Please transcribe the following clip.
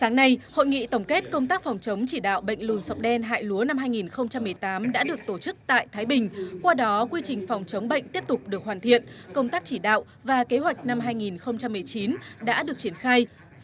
sáng nay hội nghị tổng kết công tác phòng chống chỉ đạo bệnh lùn sọc đen hại lúa năm hai nghìn không trăm mười tám đã được tổ chức tại thái bình qua đó quy trình phòng chống bệnh tiếp tục được hoàn thiện công tác chỉ đạo và kế hoạch năm hai nghìn không trăm mười chín đã được triển khai